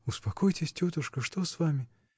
-- Успокойтесь, тетушка, что с вами?